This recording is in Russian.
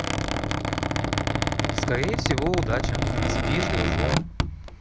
скорее всего удача спишь дружу